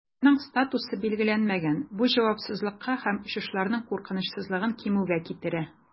Аның статусы билгеләнмәгән, бу җавапсызлыкка һәм очышларның куркынычсызлыгын кимүгә китерә.